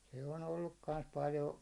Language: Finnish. se on ollut kanssa paljon